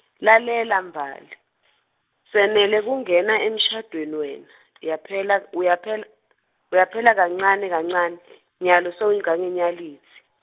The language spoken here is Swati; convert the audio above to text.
lalela Mbali, senele kungena emshadweni wena, yaphela uyaphel-, uyaphela kancane kancane , nyalo sewungangenyalitsi.